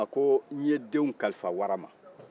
a k'u ma ko